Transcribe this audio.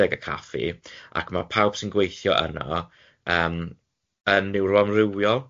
y caffi, ac ma' pawb sy'n gweithio yno yym yn neuroamrywiol.